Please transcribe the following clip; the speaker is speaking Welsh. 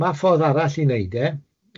ma ffordd arall i neud e... Mm.